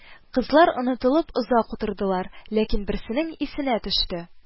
Кызлар онытылып озак утырдылар, ләкин берсенең исенә төште: